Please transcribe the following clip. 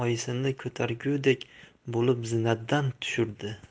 oyisini ko'targudek bo'lib zinadan tushirdi